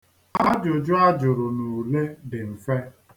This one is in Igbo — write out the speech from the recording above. Ajụjụ a jụrụ n'ule dị mfe.